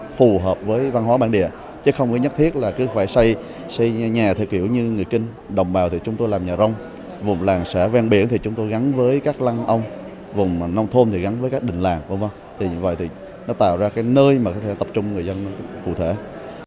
phù hợp với văn hóa bản địa chứ không nhất thiết là cứ phải xây xây nhà theo kiểu như người kinh đồng bào để chúng tôi làm nhà rông một làng xã ven biển thì chúng tôi gắn với các lăng ông vùng nông thôn gắn với các đình làng vân vân thì vậy thì nó tạo ra cái nơi mà có thể tập trung người dân cụ thể